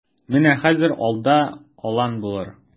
Менә хәзер алда алан булыр.